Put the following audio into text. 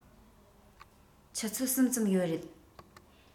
ཆུ ཚོད གསུམ ཙམ ཡོད རེད